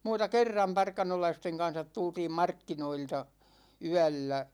muuta kerran parkanolaisten kanssa tultiin markkinoilta yöllä